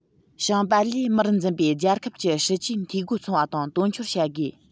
ཞིང པ ལས མིར འཛིན པའི རྒྱལ ཁབ ཀྱི སྲིད ཇུས འཐུས སྒོ ཚང བ དང དོན འཁྱོལ བྱ དགོས